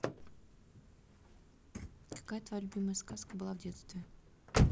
какая твоя любимая сказка была в детстве